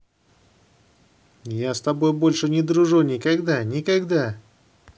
я с тобой больше не дружу никогда и никогда